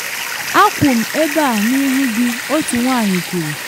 “Akwụ m ebe a n’ihu gị,” otu nwanyị kwuru.